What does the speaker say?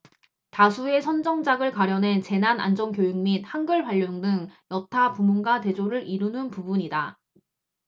다수의 선정작을 가려낸 재난안전교육 및 한글 활용 등 여타 부문과 대조를 이루는 부분이다